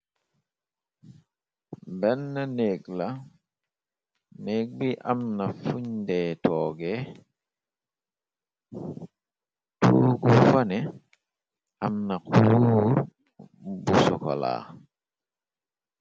Benn négg la négg bi am na funde tooge. Toogu fane amna kulor bu sokolaa.